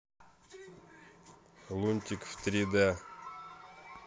лунтик в три дэ